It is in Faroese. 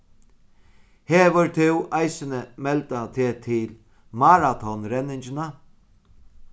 hevur tú eisini meldað teg til maratonrenningina